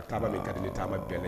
A taama gari ni taama bɛɛ